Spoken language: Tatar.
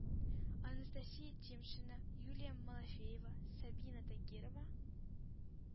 Анастасия Тимшина, Юлия Малафеева, Сабина Тагирова,